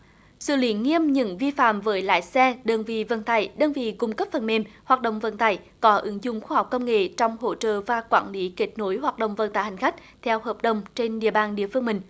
xử lý nghiêm những vi phạm với lái xe đơn vị vận tải đơn vị cung cấp phần mềm hoạt động vận tải có ứng dụng khoa học công nghệ trong hỗ trợ và quản lý kết nối hoạt động vận tải hành khách theo hợp đồng trên địa bàn địa phương mình